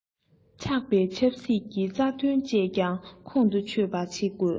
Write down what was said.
ཆགས པའི ཆབ སྲིད ཀྱི རྩ དོན བཅས ཀྱང ཁོང དུ ཆུད པ བྱེད དགོས